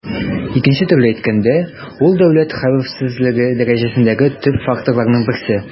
Икенче төрле әйткәндә, ул дәүләт хәвефсезлеге дәрәҗәсендәге төп факторларның берсе.